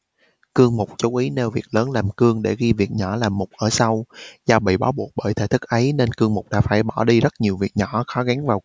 cương mục chú ý nêu việc lớn làm cương để ghi việc nhỏ làm mục ở sau do bị bó buộc bởi thể thức ấy nên cương mục đã phải bỏ đi rất nhiều việc nhỏ khó gắn vào